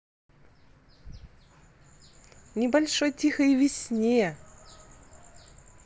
небольшой тихой весне